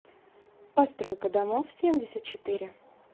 постройка домов семьдесят четыре